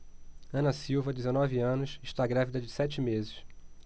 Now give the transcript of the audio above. ana silva dezenove anos está grávida de sete meses